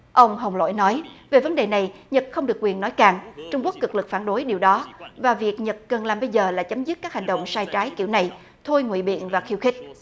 ông hồng lỗi nói về vấn đề này nhật không được quyền nói càn trung quốc cực lực phản đối điều đó và việc nhật cần làm bây giờ là chấm dứt các hành động sai trái kiểu này thôi ngụy biện và khiêu khích